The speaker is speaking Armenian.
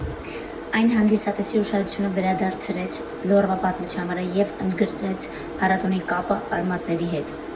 Այն հանդիսատեսի ուշադրությունը վերադարձրեց Լոռվա պատմության վրա և ընդգծեց փառատոնի կապը արմատների հետ։